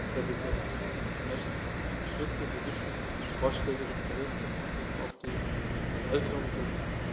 Herr Präsident, ich unterstütze die wichtigsten Vorschläge des Berichts im Hinblick auf die Verwaltung der